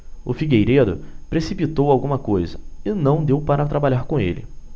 o figueiredo precipitou alguma coisa e não deu para trabalhar com ele